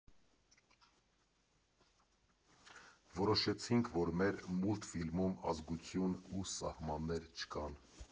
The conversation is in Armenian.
Որոշեցինք, որ մեր մուլտֆիլմում ազգություն ու սահմաններ չկան։